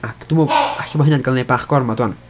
Ac, dwi meddwl, alla bo' hynna 'di gael ei wneud bach gormod 'wan.